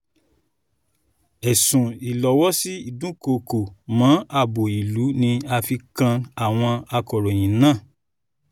Ẹ̀sùn ìlọ́wọ́sí ìdúkokò mọ́ ààbò ìlú ni a fi kan àwọn akọ̀ròyìn náà